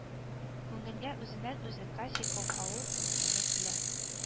Күңелгә үзеннән-үзе Кассий Колһаун исеме килә